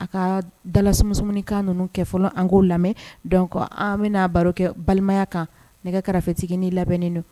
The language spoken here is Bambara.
A ka dalalaumunikan ninnu kɛ fɔlɔ an k'o lamɛn dɔn an bɛna n'a baro kɛ balimaya kan nɛgɛ karafetigi ni labɛnnen don